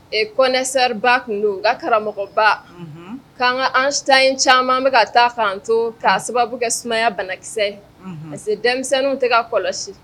Ee kɔnɛsɛriba tun don ka karamɔgɔba k'an ka an caman an bɛka ka taa' to k' sababu kɛ sumaya banakisɛsɛ parce denmisɛnninw tɛ kɔlɔsi